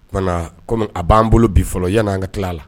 O a b'an bolo bi fɔlɔ yan n' an ka tila a la